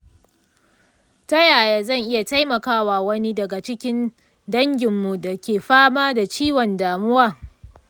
ta yaya zan iya taimaka wa wani daga cikin danginmu da ke fama da ciwon damuwa?